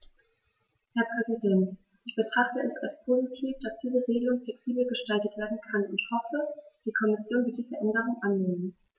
Herr Präsident, ich betrachte es als positiv, dass diese Regelung flexibel gestaltet werden kann und hoffe, die Kommission wird diese Änderung annehmen.